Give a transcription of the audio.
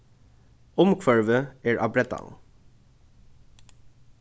umhvørvið er á breddanum